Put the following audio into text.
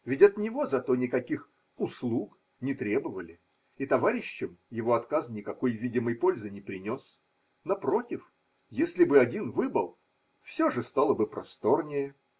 Ведь от него за то никаких услуг не требовали, и товарищам его отказ никакой видимой пользы не принес – напротив, если бы один выбыл, все же стало бы просторнее.